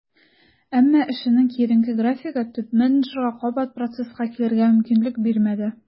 Әмма эшенең киеренке графигы топ-менеджерга кабат процесска килергә мөмкинлек бирмәде.